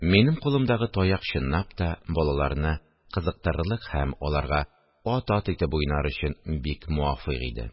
Минем кулымдагы таяк чынлап та балаларны кызыктырырлык һәм аларга ат-ат итеп уйнар өчен бик муафикъ иде